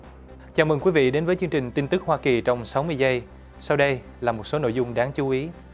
chào mừng quý vị đến với chương trình tin tức hoa kỳ trong sáu mươi giây sau đây là một số nội dung đáng chú ý